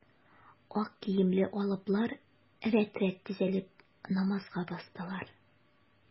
Ак киемле алыплар рәт-рәт тезелеп, намазга бастылар.